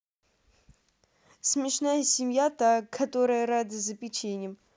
смешная семья та которая рада за печеньем